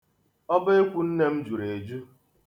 Ọbaekwu nne m juru eju.